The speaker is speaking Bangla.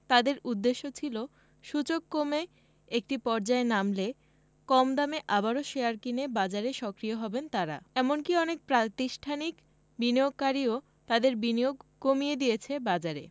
তাঁদের উদ্দেশ্য ছিল সূচক কমে একটি পর্যায়ে নামলে কম দামে আবারও শেয়ার কিনে বাজারে সক্রিয় হবেন তাঁরা এমনকি অনেক প্রাতিষ্ঠানিক বিনিয়োগকারীও তাদের বিনিয়োগ কমিয়ে দিয়েছে বাজারে